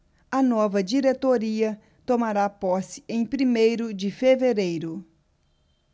a nova diretoria tomará posse em primeiro de fevereiro